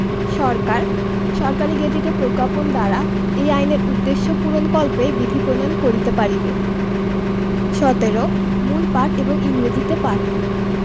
সরকার সরকারী গেজেটে প্রজ্ঞাপন দ্বারা এই আইনের উদ্দেশ্য পূরণকল্পে বিধি প্রণয়ন করিতে পারিবে ১৭ মূল পাঠ এবং ইংরেজীতে পাঠ